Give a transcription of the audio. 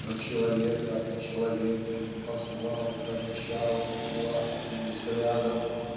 Но человека человек Послал к Анчару властным взглядом